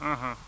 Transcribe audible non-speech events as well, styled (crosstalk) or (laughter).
(hesitation) (hesitation)